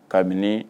Kabini